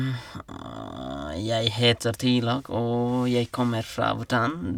Jeg heter Tilak, og jeg kommer fra Bhutan.